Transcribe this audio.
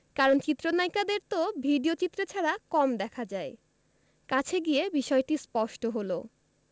কারণ চিত্রনায়িকাদের তো ভিডিওচিত্রে ছাড়া কম দেখা যায় কাছে গিয়ে বিষয়টি স্পষ্ট হলো